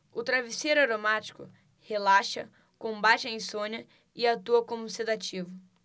o travesseiro aromático relaxa combate a insônia e atua como sedativo